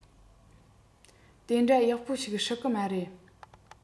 དེ འདྲ ཡག པོ ཞིག སྲིད གི མ རེད